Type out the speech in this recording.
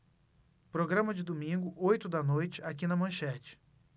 programa de domingo oito da noite aqui na manchete